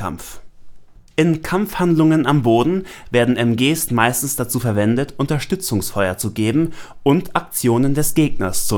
In Kampfhandlungen werden Maschinengewehre hauptsächlich dazu verwendet, Unterstützungsfeuer zu geben und Aktionen des Gegners